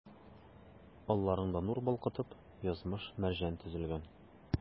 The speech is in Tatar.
Алларыңда, нур балкытып, язмыш-мәрҗән тезелгән.